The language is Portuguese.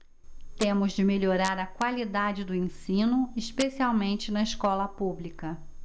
temos de melhorar a qualidade do ensino especialmente na escola pública